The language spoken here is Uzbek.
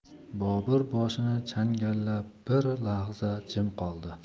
bobur boshini changallab bir lahza jim qoldi